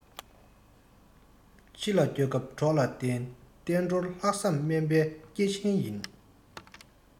ཕྱི ལ སྐྱོད སྐབས གྲོགས ལ བརྟེན བསྟན འགྲོར ལྷག བསམ སྨན པའི སྐྱེ ཆེན ཡིན